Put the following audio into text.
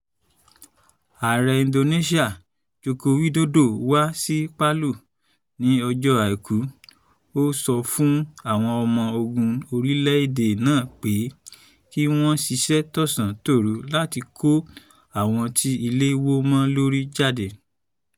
Ààrẹ Indonesia, Joko Widodo, wá sí Palu ní ọjọ́ Àìkú. Ó sọ fún àwọn ọmọ-ogun orílẹ̀-èdè náà pé: “Kí wọ́n ṣiṣẹ́ tọ̀san-tòru láti kó àwọn tí ilé wó mọ́ lórí jáde.